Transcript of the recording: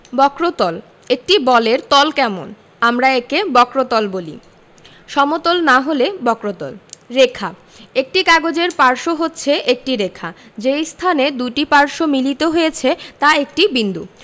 বক্রতলঃ একটি বলের তল কেমন আমরা একে বক্রতল বলি সমতল না হলে বক্রতল রেখাঃ একটি কাগজের পার্শ্ব হচ্ছে একটি রেখা যে স্থানে দুইটি পার্শ্ব মিলিত হয়েছে তা একটি বিন্দু